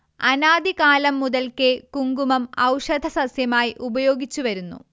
അനാദി കാലം മുതൽക്കേ കുങ്കുമം ഔഷധസസ്യമായി ഉപയോഗിച്ചുവരുന്നു